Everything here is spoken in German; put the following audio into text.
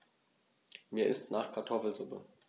Mir ist nach Kartoffelsuppe.